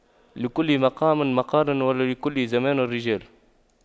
لكل مقام مقال ولكل زمان رجال